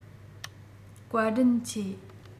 བཀའ དྲིན ཆེ